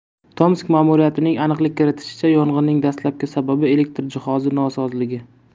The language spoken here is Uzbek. tomsk ma'muriyatining aniqlik kiritishicha yong'inning dastlabki sababi elektr jihozi nosozligi